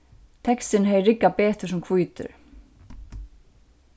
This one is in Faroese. teksturin hevði riggað betur sum hvítur